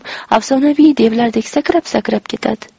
afsonaviy devlardek sakrab sakrab ketadi